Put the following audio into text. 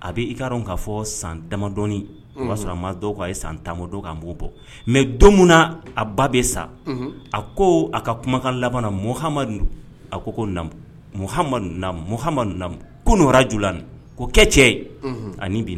a bɛ i ka dɔn k'a fɔ san tadɔi o b'a sɔrɔ a ma k'a ye san tan don k''o bɔ mɛ don min a ba bɛ sa a ko a ka kumakan labanana mɔmadu a ko ko koraj ko kɛ cɛ ani bi